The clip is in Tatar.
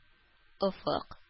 Офык